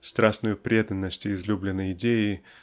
страстную преданность излюбленной идее